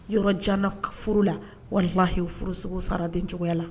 Yɔrɔ janana furu la walahi furu segu sara den cogoya la